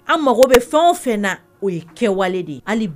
An mago bɛ fɛn o fɛn na o ye kɛwale de